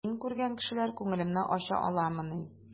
Мин күргән кешеләр күңелемне ача аламыни?